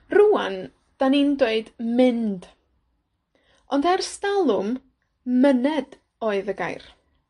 Rŵan 'dan ni'n dweud mynd, ond ers dalwm, myned oedd y gair.